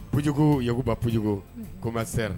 Pujugu Yakuba Pujugu ko master